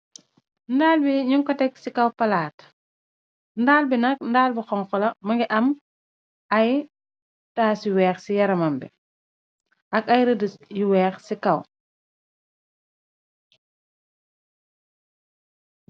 Ndaal bi ñyënko teg ci kaw palaat. Ndaal bi nag ndaal bu xonkxo la. Mënga am ay taas yi weex ci yaramam bi ak ay rëdi yu weex ci kaw.